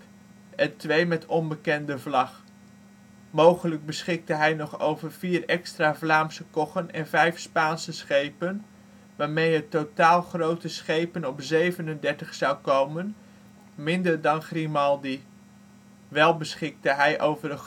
twee met onbekende vlag. Mogelijk beschikte hij nog over 4 extra Vlaamse koggen en 5 Spaanse schepen, waarmee het totaal grote schepen op 37 zou komen, minder dan Grimaldi. Wel beschikte hij over